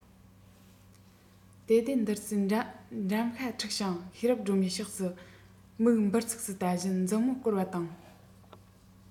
བདེ ལྡན བདུད རྩི འགྲམ ཤ འཁྲིགས ཤིང ཤེས རབ སྒྲོལ མའི ཕྱོགས སུ མིག འབུར ཚུགས སུ ལྟ བཞིན མཛུབ མོར བསྐོར བ དང